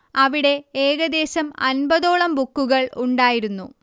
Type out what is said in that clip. അവിടെ ഏകദേശം അൻപതോളം ബുക്കുകൾ ഉണ്ടായിരുന്നു